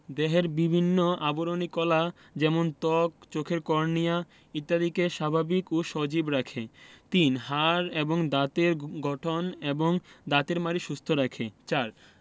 দেহের বিভিন্ন আবরণী কলা যেমন ত্বক চোখের কর্নিয়া ইত্যাদিকে স্বাভাবিক ও সজীব রাখে ৩. হাড় এবং দাঁতের গঠন এবং দাঁতের মাড়ি সুস্থ রাখে ৪.